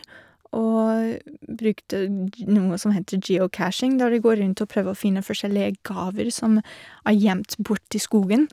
Og brukte dz noe som heter geocaching, der du går rundt og prøver å finne forskjellige gaver som er gjemt bort i skogen.